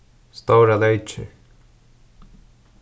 stórar leykir